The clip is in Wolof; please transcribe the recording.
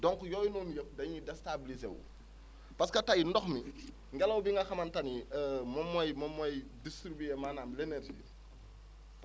donc yooyu noonu yëpp dañuy destabiliser wu parce que tey ndox mi ngelaw bi nga xamante ni moom mooy moom mooy distribuer maanaam l' énergie